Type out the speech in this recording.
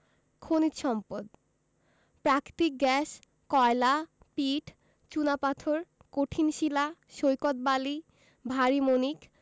খনিজ সম্পদঃ প্রাকৃতিক গ্যাস কয়লা পিট চুনাপাথর কঠিন শিলা সৈকত বালি ভারি মণিক